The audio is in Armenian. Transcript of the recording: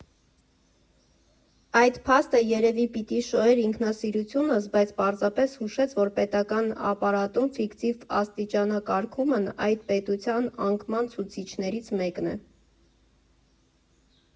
Այդ փաստը երևի պիտի շոյեր ինքնասիրությունս, բայց պարզապես հուշեց, որ պետական ապարատում ֆիկտիվ աստիճանակարգումն այդ պետության անկման ցուցիչներից մեկն է։